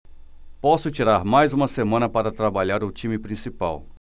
posso tirar mais uma semana para trabalhar o time principal